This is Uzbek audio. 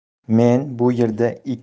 men bu yerda